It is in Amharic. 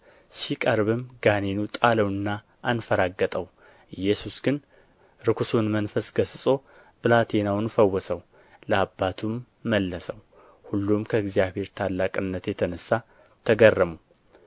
ሲቀርብም ጋኔኑ ጣለውና አንፈራገጠው ኢየሱስ ግን ርኵሱን መንፈስ ገሥጾ ብላቴናውን ፈወሰው ለአባቱም መለሰው ሁሉም ከእግዚአብሔር ታላቅነት የተነሣ ተገረሙ